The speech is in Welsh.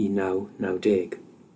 un naw naw deg.